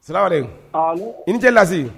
Sirare i ni tɛ lase